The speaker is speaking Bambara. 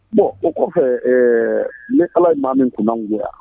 Bon o kɔfɛ ɛɛ ni Ala ye maa min kunnagoya